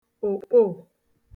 òkpoò